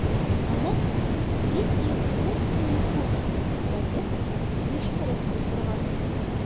Аны «Известия Удмуртсткой Республики» газетасы оештырып уздырган.